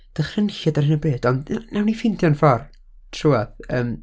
dychrynllyd ar hyn o bryd, ond n- wnawn ni ffeindio'n ffor trwadd, yym.